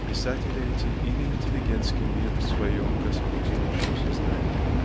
писатели эти или интеллигентский мир в своем господствующем сознании.